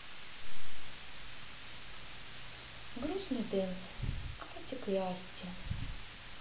грустный дэнс artik и asti